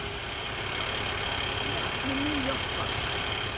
lat meg nú hjálpa tær